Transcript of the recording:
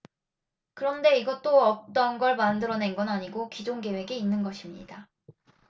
그런데 이것도 없던걸 만들어낸건 아니고 기존 계획에 있는 겁니다